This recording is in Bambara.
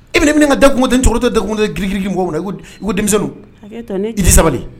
I bɛmina ka da kunden cɛkɔrɔba tɛ dagkunden kirikiigin kɔnɔ i ko denmisɛn i sabali